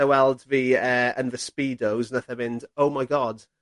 e weld fi yy yn fy speedos nath a fynd Oh my God.